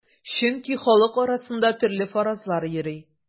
Чөнки халык арасында төрле фаразлар йөри.